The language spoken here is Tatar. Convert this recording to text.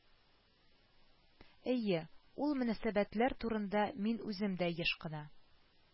Әйе, ул мөнәсәбәтләр турында мин үзем дә еш кына